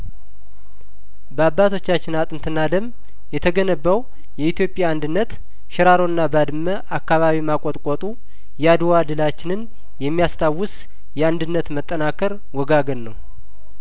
ባባቶቻችን አጥንትና ደም የተገነባው የኢትዮጵያ አንድነት ሽራሮና ባድመ አካባቢ ማቆጥ ቆጡ የአድዋ ድላችንን የሚያስታውስ የአንድነት መጠናከር ወጋገን ነው